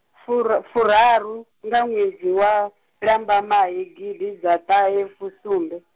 fura furaru, nga ṅwedzi wa, Lambamai gidiḓaṱahefusumbe.